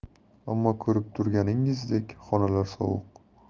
ammo ko'rib turganingizdek xonalar sovuq